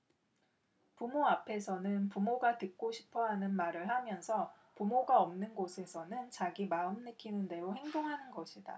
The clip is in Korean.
부모 앞에서는 부모가 듣고 싶어 하는 말을 하면서 부모가 없는 곳에서는 자기 마음 내키는 대로 행동하는 것이다